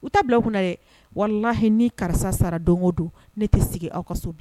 U ta bilakun na ye wala h ni karisa sara don o don ne tɛ sigi aw ka so